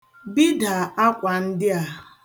Bida akwa ndịa.